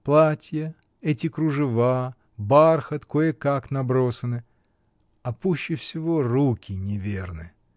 Платье, эти кружева, бархат кое-как набросаны. А пуще всего руки неверны.